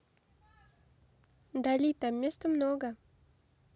dali там места много